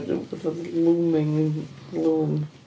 Bod o'n looming, loom.